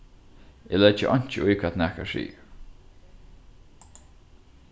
eg leggi einki í hvat nakar sigur